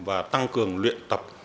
và tăng cường luyện tập